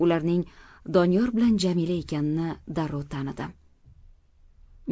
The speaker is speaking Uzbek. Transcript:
ularning doniyor bilan jamila ekanini darrov tanidim